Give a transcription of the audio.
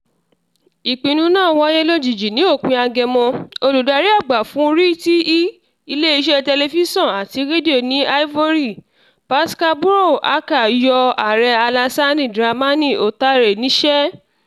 Ìpinnu náà wáyé lójijì ní òpin July: Olùdarí àgbà fún RTI (iléeṣẹ́ Tẹlifísàn àti Rédíò ní Ivory), Pascal Brou Aka yọ Aàrẹ Alassane Dramane Ouattara níṣẹ́.